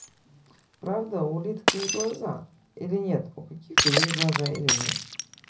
правда у улиток есть глаза или нет у каких то есть глаза или нет